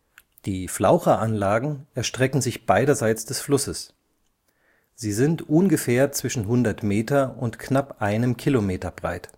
Die Flaucheranlagen erstrecken sich beiderseits des Flusses. Sie sind ungefähr zwischen hundert Meter und knapp einem Kilometer breit